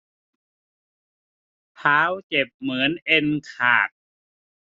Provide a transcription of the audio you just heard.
เท้าเจ็บเหมือนเอ็นขาด